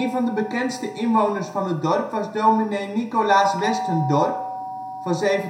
van de bekendste inwoners van het dorp was dominee Nicolaas Westendorp (1773-1835